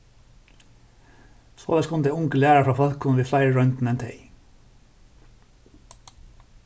soleiðis kunnu tey ungu læra frá fólkum við fleiri royndum enn tey